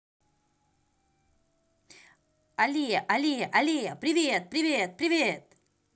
алле алле алле привет привет привет